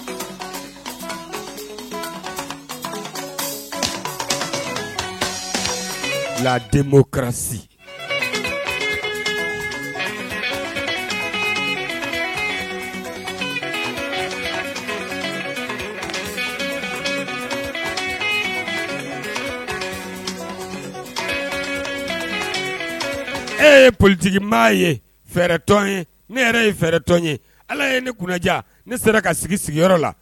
La denbo e ye politigiba ye fɛɛrɛ ye ne yɛrɛ ye fɛɛrɛ tɔn ye ala ye ne kunnaja ne sera ka sigi sigiyɔrɔ la